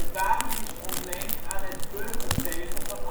wapen is ontleend aan het burgerzegel van